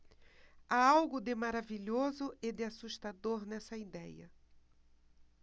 há algo de maravilhoso e de assustador nessa idéia